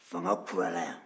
fanga kurala yan